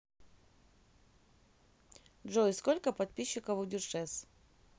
джой сколько подписчиков у дюшес